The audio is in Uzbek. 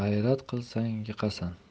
g'ayrat qilsang yiqasan